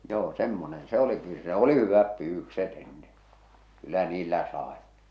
joo semmoinen se oli - se oli hyvät pyydykset ennen kyllä niillä sai